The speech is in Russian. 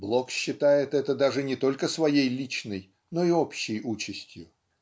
Блок считает это даже не только своей личной, но и общей участью